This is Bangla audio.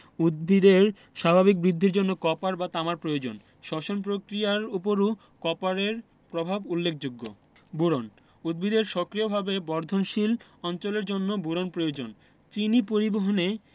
উদ্ভিদের স্বাভাবিক বৃদ্ধির জন্য কপার বা তামার প্রয়োজন শ্বসন পক্রিয়ার উপরও কপারের প্রভাব উল্লেখযোগ্য বোরন উদ্ভিদের সক্রিয়ভাবে বর্ধনশীল অঞ্চলের জন্য বোরন প্রয়োজন চিনি পরিবহনে